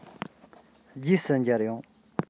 རྗེས སུ མཇལ ཡོང